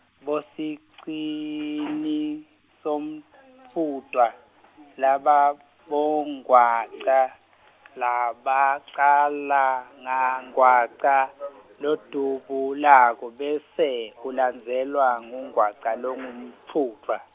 bosicinisamfutfwa, laba, bongwaca, labacala ngangwaca, lodubulako bese, ulandzelwa ngungwaca longumfutfwa.